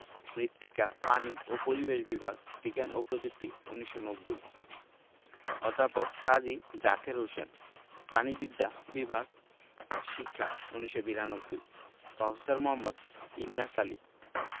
মৃত্তিকা পানি ও পরিবেশ বিভাগ বিজ্ঞান ও প্রযুক্তি ১৯৯০ অধ্যাপক কাজী জাকের হোসেন প্রাণিবিদ্যা বিভাগ শিক্ষা ১৯৯২ প্রফেসর মোঃ ইন্নাস আলী